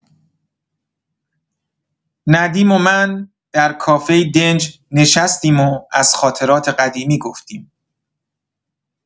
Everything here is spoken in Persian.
ندیم و من در کافه‌ای دنج نشستیم و از خاطرات قدیمی گفتیم.